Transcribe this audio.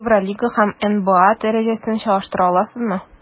Евролига һәм НБА дәрәҗәсен чагыштыра аласызмы?